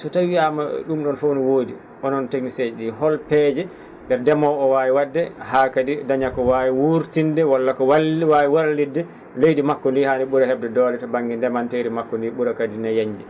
so tawii wiyaama ?um ?on fof ne woodi onon technicien ji holno peeje ?e ndemoowo oo waawi wa?de haa kadi daña ko waawi wuurtinde walla ko waawi wallidde leydi makko ndi haa ndi ?ura he?de doole ba?nge ndemanteeri makko ndii ?ura kadi ne yañje